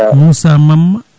Moussa Mamma